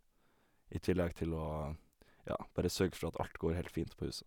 I tillegg til å, ja, bare sørge for at alt går helt fint på huset.